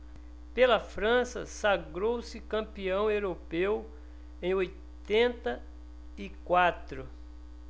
pela frança sagrou-se campeão europeu em oitenta e quatro